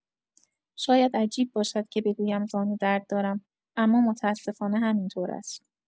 شاید عجیب باشد که بگویم زانودرد دارم، اما متاسفانه همین طور است.